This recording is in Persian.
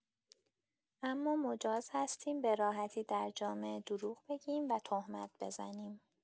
اما مجاز هستیم به راحتی در جامعه دروغ بگیم و تهمت بزنیم